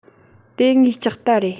དེ ངའི ལྕགས རྟ རེད